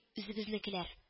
Үзебезнекеләр